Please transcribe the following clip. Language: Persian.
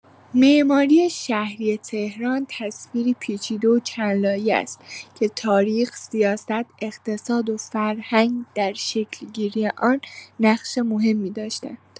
معماری شهری تهران تصویری پیچیده و چندلایه است که تاریخ، سیاست، اقتصاد و فرهنگ در شکل‌گیری آن نقش مهمی داشته‌اند.